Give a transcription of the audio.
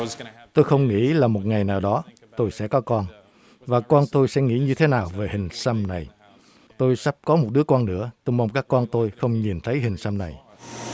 tôi không nghĩ là một ngày nào đó tôi sẽ có con và con tôi sẽ nghĩ như thế nào về hình xăm này tôi sắp có một đứa con nữa tôi mong các con tôi không nhìn thấy hình xăm này